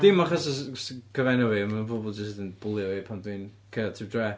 Ond dim achos s- s- cyfenw fi, ma' pobl jyst yn bwlio fi pan 'dw i'n cerddad trwy dre'.